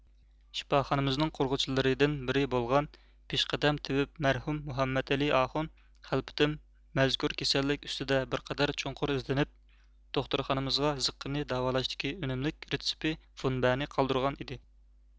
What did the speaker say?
شىپاخانىمىزنىڭ قۇرغۇچىلىرىدىن بىرى بولغان پېشقەدەم تېۋىپ مەرھۇم مۇھەممەتئېلى ئاخۇن خەلپىتىم مەزكۇر كېسەللىك ئۈستىدە بىر قەدەر چوڭقۇر ئىزدىنىپ دوختۇرخانىمىزغا زىققىنى داۋالاشتىكى ئۈنۈملۈك رېتسېپى فۇنبەنى قالدۇرغان ئىدى